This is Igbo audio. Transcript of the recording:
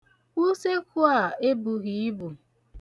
Usekwu a ebughị ibu.